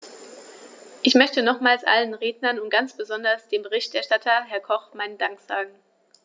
Ich möchte nochmals allen Rednern und ganz besonders dem Berichterstatter, Herrn Koch, meinen Dank sagen.